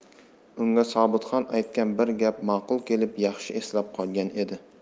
unga sobitxon aytgan bir gap ma'qul kelib yaxshi eslab qolgan edi